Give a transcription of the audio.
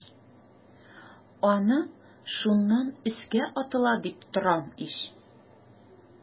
Аны шуннан өскә атыла дип торам ич.